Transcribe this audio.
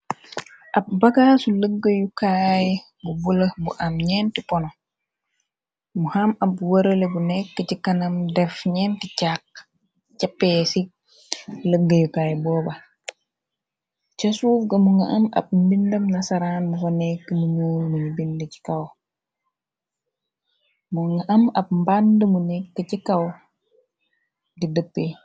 Ab bagaasu lëggayukaay bu bula bu am ñenti pono mu xam ab wërale bu nekk ci kanam def ñenti càkq ca pee si lëggayukaay booba ca suuf ga mu nga am ab mbindam na saraanfa nekk munul buñu bind ci kaw mu nga am ab mband mu nekk ci kaw di dëkpe.